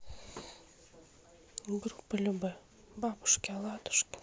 группа любэ бабушки оладушки